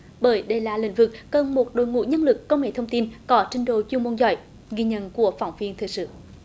bởi đây là lĩnh vực cần một đội ngũ nhân lực công nghệ thông tin có trình độ chuyên môn giỏi ghi nhận của phóng viên thời sự